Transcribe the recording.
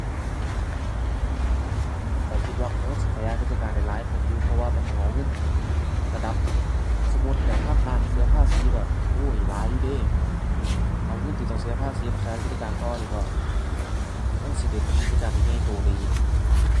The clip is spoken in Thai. ข้อยคิดว่าคงสิขยายกิจการได้หลายขึ้นอยู่ เพราะว่าบ่ต้องเอาเงินระดับ สมมุติได้พันล้าน เสียภาษีก็ โอ้ย หลายอยู่เดะ เอาเงินที่ต้องเสียภาษีไปขยายกิจการต่อนี่ก็คงสิได้เป็นกิจการที่ใหญ่โตได้อีก